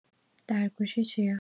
درگوشی چیه؟